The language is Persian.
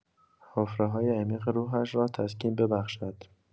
حفره‌های عمیق روحش را تسکین ببخشد.